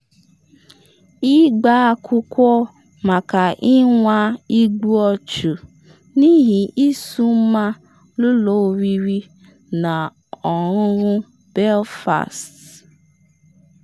Ịgba akwụkwọ maka ịnwa igbu ọchụ n’ihi ịsụ mma n’ụlọ oriri na ọṅụṅụ Belfast.